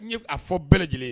Ɲe f a fɔ bɛɛ lajɛlen ye